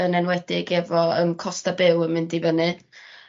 yn enwedig efo yym costa byw yn mynd i fyny.